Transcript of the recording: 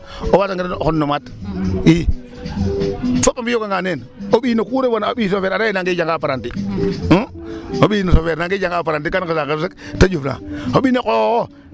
O waasangiran o xon na maad i fop a mbi'ooganga nene o ɓiy no ku refoona o ɓiy chauffeur ande nangee jangaa apprentit ɓiy chauffeur nangea jangaa apprenti kan nqesa nqes rek ta ƴufnaa .